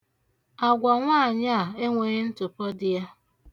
Agwa nwaanyị a enweghị ntụpọ dị ya.